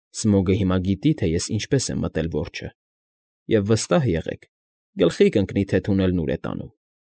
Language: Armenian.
Սմոգը հիմա գիտի, թե ես ինչպես եմ մտել որջը և, վստահ եղեք, գլխի կընկնի, թե թունելն ուր է տանում։